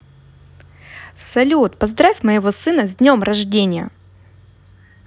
салют поздравь моего сына с днем рождения